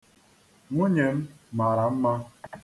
Nwunye m mara mma.